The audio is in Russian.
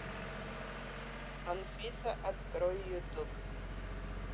анфиса открой ютуб